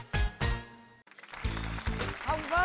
hồng vân